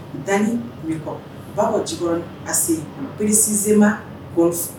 Bakɔ Jikɔrɔni ACI précisément Golf